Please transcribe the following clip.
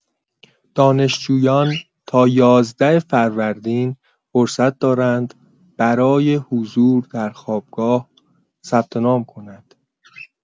دانشجویان تا ۱۱ فروردین فرصت دارند برای حضور در خوابگاه ثبت‌نام کنند.